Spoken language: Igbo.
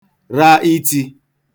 ra itsī